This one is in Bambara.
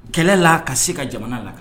Kɛlɛ la ka se ka jamana la kan